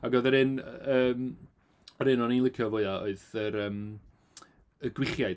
Ac oedd yr un yym yr un o'n i'n licio'r fwya oedd yr yym y gwichiaid.